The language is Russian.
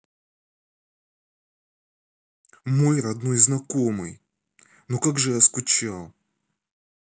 мой родной знакомый ну ка же я скучал